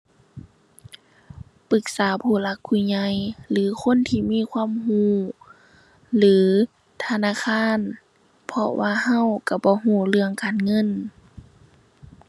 ปรึกษาผู้หลักผู้ใหญ่หรือคนที่มีความรู้ หรือธนาคาร เพราะว่ารู้รู้บ่รู้เรื่องการเงิน